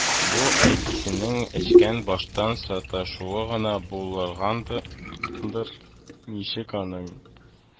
Бу әтисенең эчкән баштан саташуы гына буллыгандыр, ничек аның